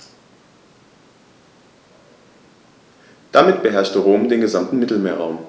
Damit beherrschte Rom den gesamten Mittelmeerraum.